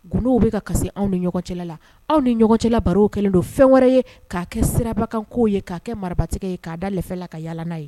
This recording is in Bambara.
Gdo bɛ ka kasi anw ni ɲɔgɔncɛ la anw ni ɲɔgɔn cɛla baro kɛlen don fɛn wɛrɛ ye'a kɛ sirabakanko ye'a kɛ maratigɛ ye'a dafɛla ka yaala ye